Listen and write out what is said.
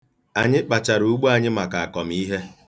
Anyị kpachara ugbo anyị maka akọmiihe.